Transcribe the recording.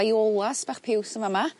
violas bach piws yn fa' 'ma